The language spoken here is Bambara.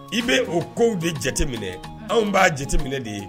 I bɛ o kow de jate minɛ anw b'a jateminɛ de ye